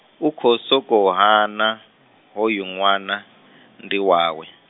u khou sokou hana, hoyu ṅwana, ndi wawe.